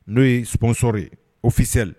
N'o ye sunso ye ofisɛli